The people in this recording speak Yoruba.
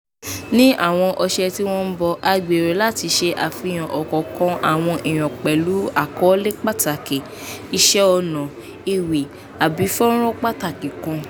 Ní àwọn ọ̀sẹ̀ tí wọ́n ń bọ̀, a gbèrò láti ṣe àfihàn ọ̀kọ̀ọ̀kan àwọn èèyàn pẹ̀lú àkọọ́lẹ̀ pàtàkì, iṣẹ́ ọnà, ewì, àbí fọ́nràn pàtàkì kan.